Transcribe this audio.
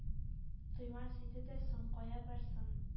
Туймас иде дә соң, кая барсын?